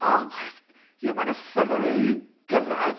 Och! Ie, mae'n uffarn o le i gyrraedd.